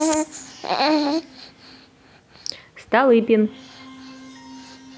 столыпин